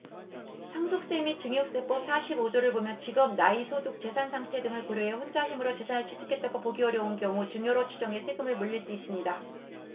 상속세 및 증여세법 사십 오 조를 보면 직업 나이 소득 재산 상태 등을 고려해 혼자 힘으로 재산을 취득했다고 보기 어려운 경우 증여로 추정해 세금을 물릴 수 있습니다